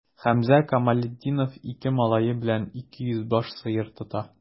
Хәмзә Камалетдинов ике малае белән 200 баш сыер тота.